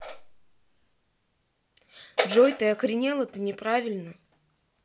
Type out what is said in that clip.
джой ты охренел это неправильно